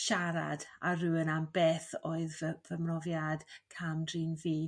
siarad â rywun am beth oedd fy fy mrofiad cam-drin fi.